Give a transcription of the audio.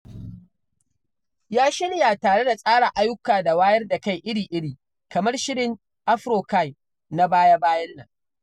Ya shirya tare da tsara ayyuka da wayar da kai iri-iri, kamar shirin 'AfroCine' na baya-bayan nan.